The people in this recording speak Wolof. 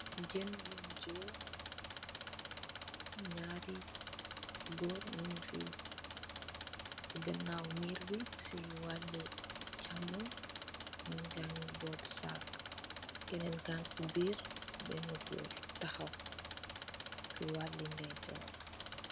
Jen yung jorr, nàari gòor nung ci gannawam mirr bi ci walli chàmoñ. Kenen ka ngi but sag, kenen kangi ci biir, benen gòor tahaw ci wali ndejor.